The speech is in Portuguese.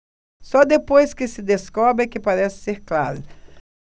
só depois que se descobre é que parece ser claro